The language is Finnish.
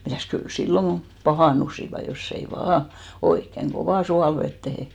mitäs kyllä silloin kun pahentuivat jos ei vain oikein kovaan suolaveteen